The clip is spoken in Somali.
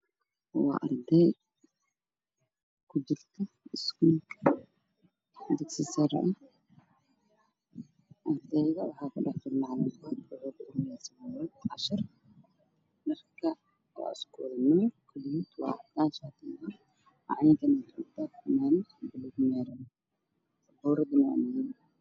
Ayuu muuqda macalin iyo arday macalinka wuxuu wax baraya ardayda sabuuradda ayuuna wax ku qorayaa